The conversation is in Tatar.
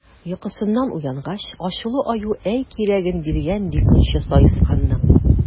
Йокысыннан уянгач, ачулы Аю әй кирәген биргән, ди, көнче Саесканның!